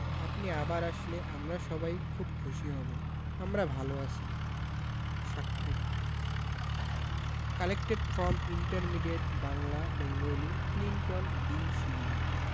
আপনি আবার আসলে আমরা সবাই খুব খুশি হব আমরা ভালো আছি স্বাক্ষর collected from intermediate Bangla Bengali Clinton be Seely